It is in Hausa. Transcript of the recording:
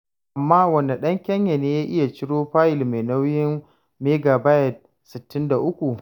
Amma wane ɗan Kenya ne ya iya ciro fayil mai nauyin 63 MB?